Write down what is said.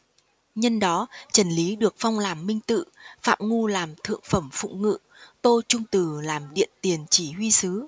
nhân đó trần lý được phong làm minh tự phạm ngu làm thượng phẩm phụng ngự tô trung từ làm điện tiền chỉ huy sứ